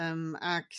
Yym ag